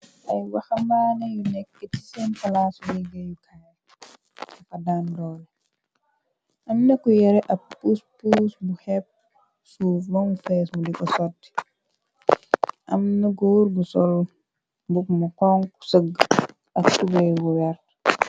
ay waxamaana yu nekk ci seen palaasu léggéeyu kaay safa daan doole am neku yare ab ps poos bu xeb suuf bomu fees mudi osoti amna goor gu sol bop ma konku sëgg ak tubey bu wert